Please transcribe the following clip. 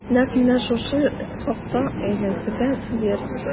Нәкъ менә шушы хакта әйтелгән диярсең...